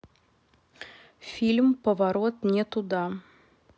фильм поворот не туда